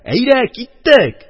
Әйдә, киттек!